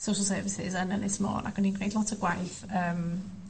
social services yn Ynys Môn ac o'n i'n gwneud lot o gwaith yym